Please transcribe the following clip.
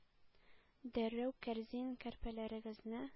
Дәррәү кәрзин, көрпәләрегезне